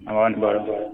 Aw nibaa